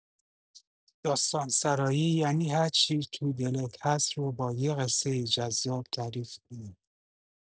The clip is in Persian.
داستان‌سرایی یعنی هرچی تو دلت هست رو با یه قصه جذاب تعریف کنی.